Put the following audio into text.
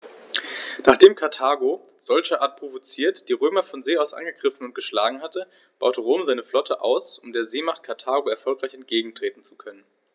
Nachdem Karthago, solcherart provoziert, die Römer von See aus angegriffen und geschlagen hatte, baute Rom seine Flotte aus, um der Seemacht Karthago erfolgreich entgegentreten zu können.